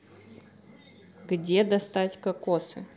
где достать кокосы